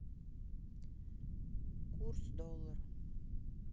курс доллар